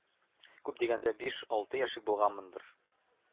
Күп дигәндә биш алты яшьлек булганмындыр.